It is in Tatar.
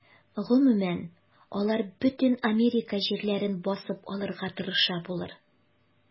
Гомумән, алар бөтен Америка җирләрен басып алырга тырыша булыр.